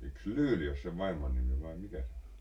eikös Lyyli ole sen vaimon nimi vai mikä se oli